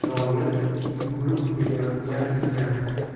zoir yugurib kelayotgan ekan